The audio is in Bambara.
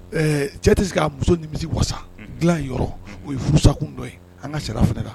Ɛɛ cɛ tɛ se k'a muso nimisi wasa dilan yɔrɔ o ye furusakun dɔ ye an ka sira fana la.